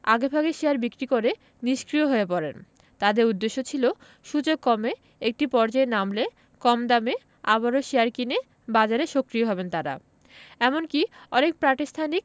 আগেভাগে শেয়ার বিক্রি করে নিষ্ক্রিয় হয়ে পড়েন তাঁদের উদ্দেশ্য ছিল সূচক কমে একটি পর্যায়ে নামলে কম দামে আবারও শেয়ার কিনে বাজারে সক্রিয় হবেন তাঁরা এমনকি অনেক প্রাতিষ্ঠানিক